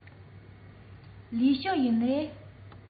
ལིའི ཞའོ ཡན རེད